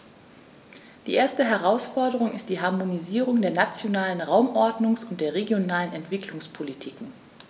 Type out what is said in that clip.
Die erste Herausforderung ist die Harmonisierung der nationalen Raumordnungs- und der regionalen Entwicklungspolitiken.